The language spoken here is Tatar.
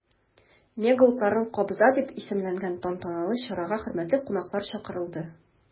“мега утларын кабыза” дип исемләнгән тантаналы чарага хөрмәтле кунаклар чакырылды.